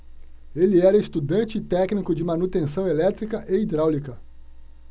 ele era estudante e técnico de manutenção elétrica e hidráulica